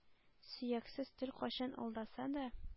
Сөяксез тел кайчак алдаса да,